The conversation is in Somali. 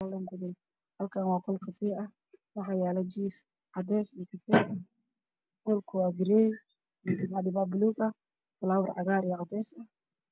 Halkaanw aa qol cafe ah waxaa yaalo jiif cafe iyo cadees ah waxa ayaalo flower cadees ah